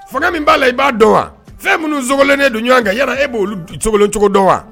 F min b'a la i b'a dɔn wa fɛn minnu sengolennen don ɲɔgɔn kan yala e b'olu cogo cogo dɔn wa